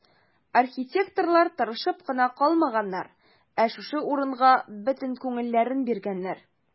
Архитекторлар тырышып кына калмаганнар, ә шушы урынга бөтен күңелләрен биргәннәр.